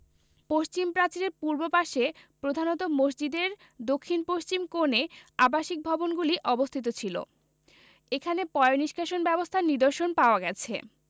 পশ্চিম প্রাচীরের পূর্ব পাশে প্রধানত মসজিদের দক্ষিণ পশ্চিম কোণে আবাসিক ভবনগুলি অবস্থিত ছিল এখানে পয়োনিষ্কাশন ব্যবস্থার নিদর্শন পাওয়া গেছে